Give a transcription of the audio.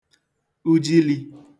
ujilī